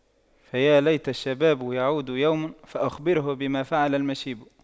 فيا ليت الشباب يعود يوما فأخبره بما فعل المشيب